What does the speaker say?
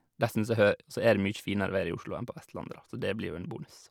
Dessuten så hø så er det mye finere være i Oslo enn på Vestlandet, da, så det blir jo en bonus.